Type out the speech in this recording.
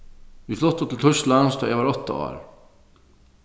vit fluttu til týsklands tá ið eg var átta ár